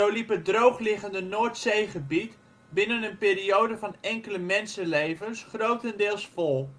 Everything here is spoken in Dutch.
liep het droogliggende Noordzeegebied binnen een periode van enkele mensenlevens grotendeels vol